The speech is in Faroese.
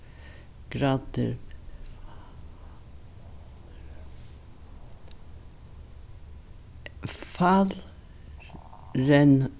gradir